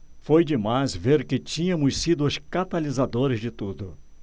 foi demais ver que tínhamos sido os catalisadores de tudo